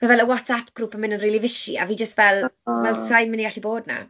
Ma' fel y WhatsApp grŵp yn mynd yn rili fishi a fi jyst fel "wel, sa i mynd i allu bod 'na".